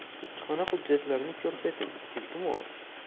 bojxona hujjatlarini ko'rsating iltimos